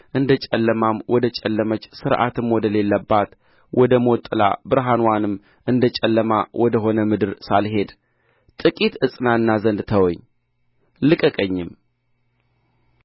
እንደ ጨለማም ወደ ጨለመች ሥርዓትም ወደሌለባት ወደ ሞት ጥላ ብርሃንዋም እንደ ጨለማ ወደ ሆነ ምድር ሳልሄድ ጥቂት እጽናና ዘንድ ተወኝ ልቀቀኝም